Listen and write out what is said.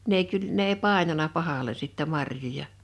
n ei - ne ei painanut pahalle sitten marjoja